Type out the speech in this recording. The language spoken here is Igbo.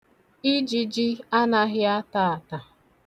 Ijiji anaghị ata ata.